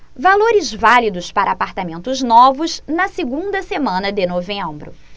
valores válidos para apartamentos novos na segunda semana de novembro